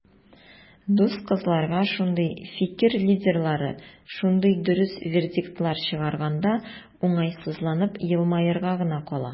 Дус кызларга шундый "фикер лидерлары" шундый дөрес вердиктлар чыгарганда, уңайсызланып елмаерга гына кала.